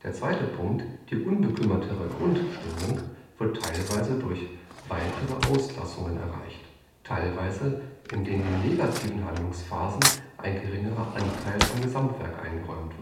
zweite Punkt, die unbekümmertere Grundstimmung, wird teilweise durch weitere Auslassungen erreicht, teilweise indem den negativen Handlungsphasen ein geringerer Anteil am Gesamtwerk eingeräumt